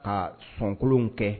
A sankolonw kɛ